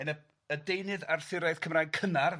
yn y y deunydd Arthuraidd Cymraeg cynnar... Ia...